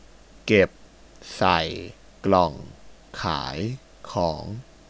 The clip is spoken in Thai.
เก็บใส่กล่องขายของ